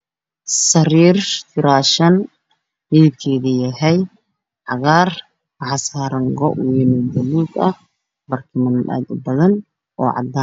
Sariir firaashan midibkesa yahy cagaar wxaa saran og weyn